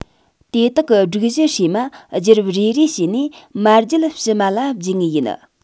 དེ དག གིས སྒྲིག གཞི བསྲེས མ རྒྱུད རབས རེ རེ བྱས ནས མར རྒྱུད ཕྱི མ ལ བརྒྱུད ངེས ཡིན